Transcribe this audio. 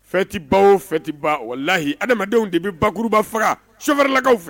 Fɛtiba o fɛtiba o lahiyi adamadamadenw de bɛ bakuruba faga so wɛrɛlakaw fɛ